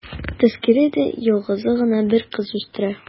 Тәзкирә дә ялгызы гына бер кыз үстерә.